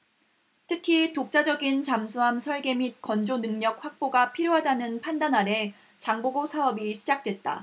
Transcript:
특히 독자적인 잠수함 설계 및 건조 능력 확보가 필요하다는 판단아래 장보고 사업이 시작됐다